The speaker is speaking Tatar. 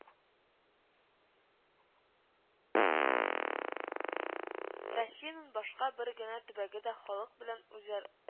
Россиянең башка бер генә төбәге дә халык белән үзәр